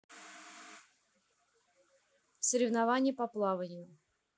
соревнования по плаванию